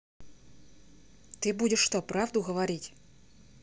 ты будешь что правду говорить